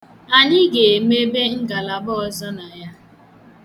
Anyị ga-emebe ngalaba ọzọ na ya.